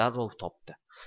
darrov topdi